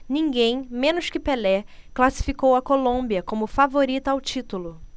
ninguém menos que pelé classificou a colômbia como favorita ao título